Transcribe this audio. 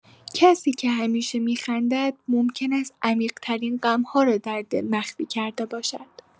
کسی که همیشه می‌خندد ممکن است عمیق‌ترین غم‌ها را در دل مخفی کرده باشد.